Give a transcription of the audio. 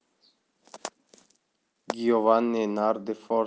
giovanni nardi for